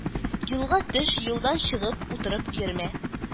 Юлга төш, юлдан чыгып уратып йөрмә